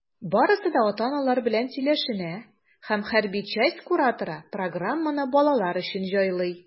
Барысы да ата-аналар белән сөйләшенә, һәм хәрби часть кураторы программаны балалар өчен җайлый.